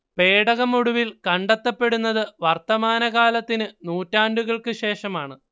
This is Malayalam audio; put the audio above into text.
പേടകം ഒടുവിൽ കണ്ടെത്തപ്പെടുന്നത് വർത്തമാനകാലത്തിന് നൂറ്റാണ്ടുകൾക്ക് ശേഷമാണ്